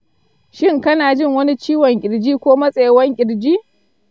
shin kana jin wani ciwon kirji ko matsewar kirji?